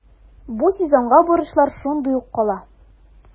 Бу сезонга бурычлар шундый ук кала.